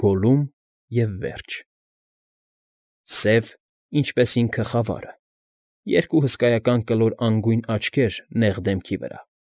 Գոլլում՝ և վերջ։ Սև, ինչպես ինքը խավարը, երկու հսկայական կլոր անգույն աչքեր նեղ դեմքի վրա։